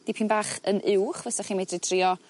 dipyn bach yn uwch fysach chi' medru trio